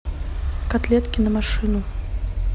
котлетки на машину